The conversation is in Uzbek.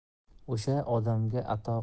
o'sha odamga ato